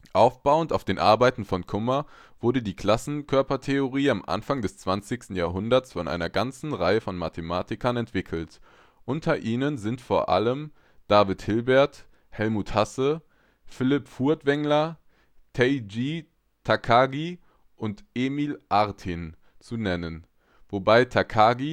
Aufbauend auf den Arbeiten von Kummer wurde die Klassenkörpertheorie am Anfang des zwanzigsten Jahrhunderts von einer ganzen Reihe von Mathematikern entwickelt. Unter ihnen sind vor allem David Hilbert, Helmut Hasse, Philipp Furtwängler, Teiji Takagi und Emil Artin zu nennen, wobei Takagi